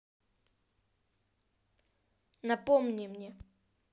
напомни мне